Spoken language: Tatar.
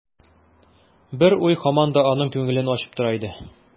Бер уй һаман да аның күңелен борчып тора иде.